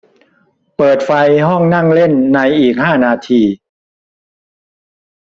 เปิดไฟห้องนั่งเล่นในอีกห้านาที